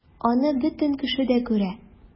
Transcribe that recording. Аны бөтен кеше дә күрә...